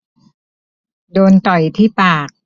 โดนต่อยที่ปาก